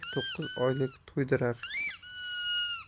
to'qqiz oylik to'ydirar